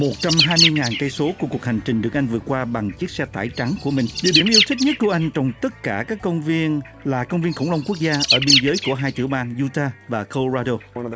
một trăm hai mươi ngàn cây số của cuộc hành trình được anh vượt qua bằng chiếc xe tải trắng của mình địa điểm yêu thích nhất của anh trong tất cả các công viên là công viên khủng long quốc gia ở biên giới của hai tiểu bang du ta và cô rai đô